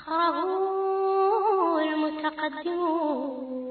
San mɔ